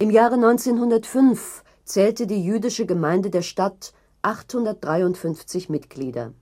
Jahre 1905 zählte die Jüdische Gemeinde der Stadt 853 Mitglieder